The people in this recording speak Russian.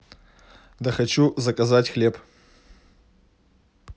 да хочу заказать хлеб